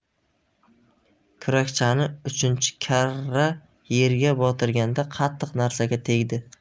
kurakchani uchinchi karra yerga botirganda qattiq narsaga tegdi